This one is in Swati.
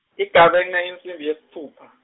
igabence insimbi yesitfupha.